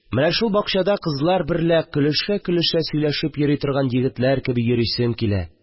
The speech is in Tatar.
Менә шул бакчада кызлар берлә көлешәкөлешә сөйләшеп йөри торган егетләр кеби йөрисем килә